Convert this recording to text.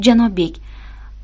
janob bek